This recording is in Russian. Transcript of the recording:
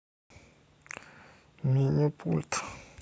меню пульт